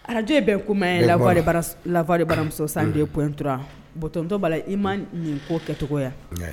Arajo ye bɛn kuma la voix de baras la voix de baramuso 102.3 bontonto Bala i ma nin ko kɛcogoya ye wa